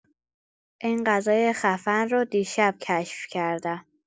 این غذای خفن رو دیشب کشف کردم!